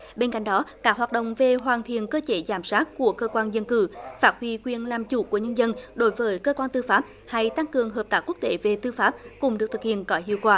bên cạnh đó các hoạt động về hoàn thiện cơ chế giám sát của cơ quan dân cử phát huy quyền làm chủ của nhân dân đối với cơ quan tư pháp hay tăng cường hợp tác quốc tế về tư pháp cũng được thực hiện có hiệu quả